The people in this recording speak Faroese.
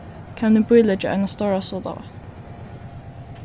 kann eg bíleggja eina stóra sodavatn